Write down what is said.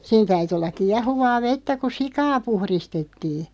siinä täytyi olla kiehuvaa vettä kun sikaa puhdistettiin